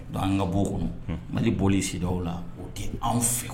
Don an ka bɔ'o kɔnɔ malili boli siw la o di an fɛ